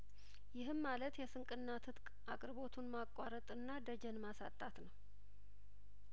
ይህም ማለት የስንቅና ትጥቅ አቅርቦቱን ማቋረጥና ደጀን ማሳጣት ነው